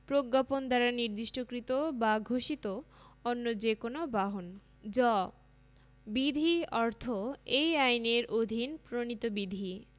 প্রজ্ঞাপন দ্বারা নির্দিষ্টকৃত বা ঘোষিত অন্য যে কোন বাহন জ বিধি অর্থ এই আইনের অধীন প্রণীত বিধি